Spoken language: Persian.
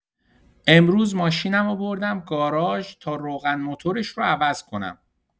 امروز ماشینمو بردم گاراژ تا روغن موتورش رو عوض کنم.